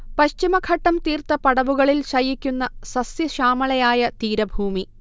പശ്ചിമഘട്ടം തീർത്ത പടവുകളിൽ ശയിക്കുന്ന സസ്യ ശ്യാമളയായ തീരഭൂമി